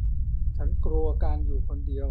ฉันกลัวการอยู่คนเดียว